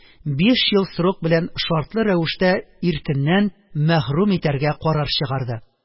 Биш ел срок белән шартлы рәвештә ирегеннән мәхрүм итәргә карар чыгарды